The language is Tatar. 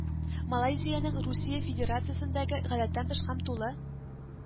Малайзиянең Русия Федерациясендәге Гадәттән тыш һәм Тулы